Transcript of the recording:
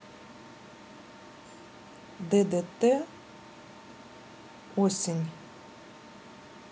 ддт осень